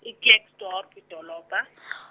i- Klerksdorp idolobha .